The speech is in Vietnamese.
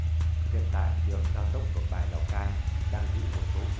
hiện tại đường cao tốc nội bài lào cai đang giữ một số kỷ lục